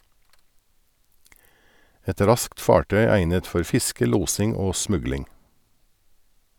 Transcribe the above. Et raskt fartøy egnet for fiske, losing og smugling.